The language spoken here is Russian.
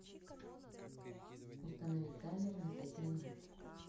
установить таймер на пять минут